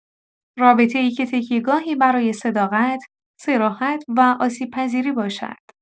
رابطه‌ای که تکیه‌گاهی برای صداقت، صراحت و آسیب‌پذیری باشد.